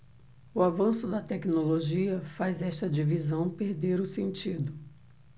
o avanço da tecnologia fez esta divisão perder o sentido